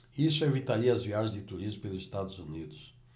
isso evitaria as viagens de turismo pelos estados unidos